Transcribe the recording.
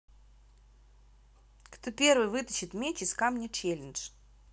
кто первый вытащит меч из камня челлендж